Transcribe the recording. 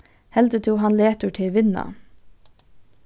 heldur tú hann letur teg vinna